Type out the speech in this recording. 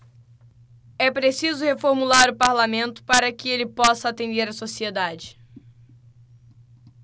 é preciso reformular o parlamento para que ele possa atender a sociedade